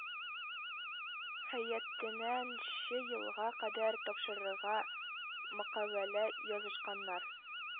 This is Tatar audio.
Һәйәтенә нчы елга кадәр тапшырырга мокавәлә язышканнар